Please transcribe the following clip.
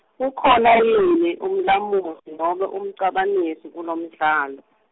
ukhona yini umlamuli nobe umcabanisi kulomdlalo?